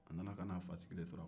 a nana ka na a fa sigilen sɔrɔ